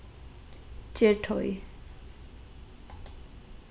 ger teig